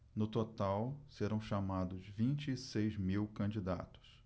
no total serão chamados vinte e seis mil candidatos